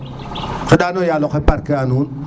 xeɗa o yalo xe barke a nuun